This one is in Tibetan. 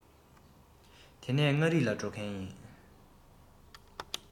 དེ ནས མངའ རིས ལ འགྲོ གི ཡིན